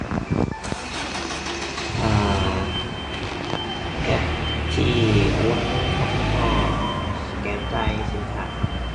อ่า แอปที่โอนเงินครับแล้วก็ เอ่อ สแกนจ่ายสินค้าครับ